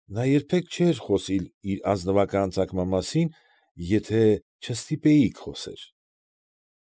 Նա երբեք չէր խոսիլ իր ազնվական ծագման մասին, եթե չստիպեիք խոսել։